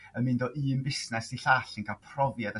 yn mynd o un busnas i llall yn ca'l profiad a